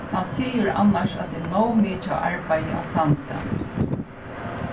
hann sigur annars at tað er nóg mikið av arbeiði á sandi